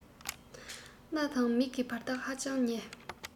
སྣ དང མིག གི བར ཐག ཧ ཅང ཉེ